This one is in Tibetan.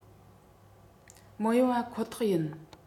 མི ཡོང བ ཁོ ཐག ཡིན